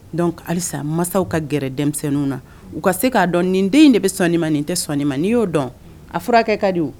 Dɔnkuc halisa masaw ka gɛrɛ denmisɛnnin na u ka se k'a dɔn nin den in de bɛ sɔni ma nin tɛ sɔni ma n y'o dɔn a furakɛ ka di